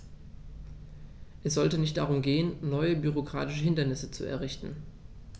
Es sollte nicht darum gehen, neue bürokratische Hindernisse zu errichten.